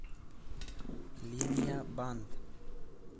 liniya band